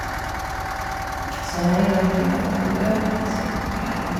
Og så er jeg veldig glad i å løpe og sykle, og...